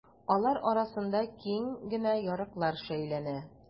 Алар арасында киң генә ярыклар шәйләнә.